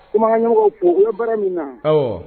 Kumakanɲɔgɔnw fo u bɛ baara min na awɔ